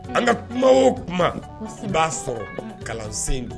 An ka kuma o kuma b'a sɔrɔ kalansen